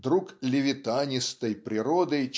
друг "левитанистой" природы